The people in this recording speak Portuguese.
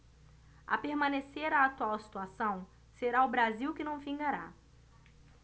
a permanecer a atual situação será o brasil que não vingará